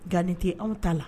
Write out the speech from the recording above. Gin tɛ anw ta la